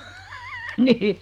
niin